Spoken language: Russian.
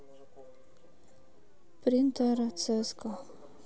принт эра цска